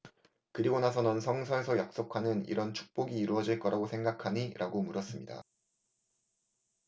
그러고 나서 넌 성서에서 약속하는 이런 축복이 이루어질 거라고 생각하니 라고 물었습니다